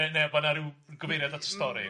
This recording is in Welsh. Ne- neu- bod yna ryw gyfeiriad at y stori?